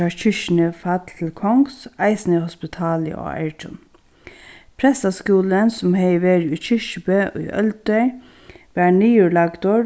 hjá kirkjuni fall til kongs eisini hospitalið á argjum prestaskúlin sum hevði verið í kirkjubø í øldir varð niðurlagdur